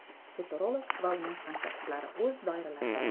futurolog va uning hamkasblari o'z doiralarida